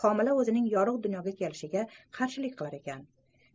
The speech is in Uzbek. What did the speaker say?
homila o'zining yorug' dunyoga kelishiga qarshilik qilar ekan